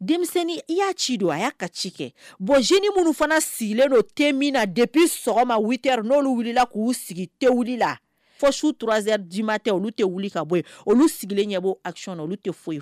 Denmisɛnnin i y'a ci don a y'a ka ci kɛ bɔn zeni minnu fana sigilen don te min na dep sɔgɔma n'olu wulila k'u sigi tɛ wili la fo su tze d'i ma tɛ olu tɛ wuli ka bɔ olu sigilen ɲɛ bɔ asiɔn olu tɛ foyi ye